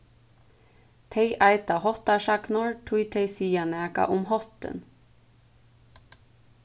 tey eita háttarsagnorð tí tey siga nakað um háttin